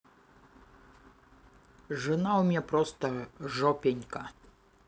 жена у меня просто жопенька